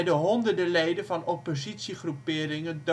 honderden leden van oppositiegroeperen